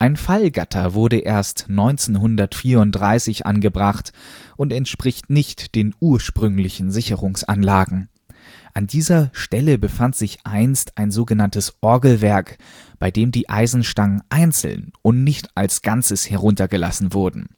Ein „ Fallgatter “wurde erst 1934 angebracht und entspricht nicht den ursprünglichen Sicherungsanlagen. An dieser Stelle befand sich einst ein so genanntes Orgelwerk, bei dem die Eisenstangen einzeln und nicht als Ganzes heruntergelassen wurden